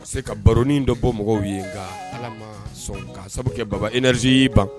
Se ka baroin dɔ bɔ mɔgɔw ye ka ala ka sabu kɛ baba ize y'i ban